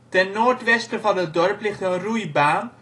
Ten noord-westen van het dorp ligt een roeibaan